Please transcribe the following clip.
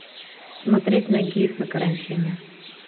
смотреть нагиев на карантине